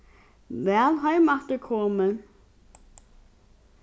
væl heimafturkomin